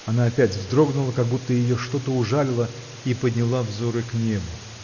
Она опять вздрогнула, как будто ее что-то ужалило, и подняла взоры к небу.